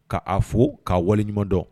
Ka a fo k'a waleɲumandɔn